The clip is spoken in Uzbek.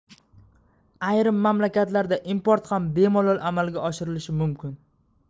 ayrim mamlakatlarda import ham bemalol amalga oshirilishi mumkin